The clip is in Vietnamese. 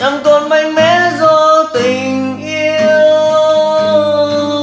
chẳng còn mạnh mẽ do tình yêu